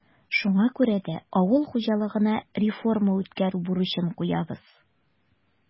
Шуңа күрә дә авыл хуҗалыгына реформа үткәрү бурычын куябыз.